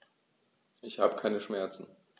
Ich habe keine Schmerzen.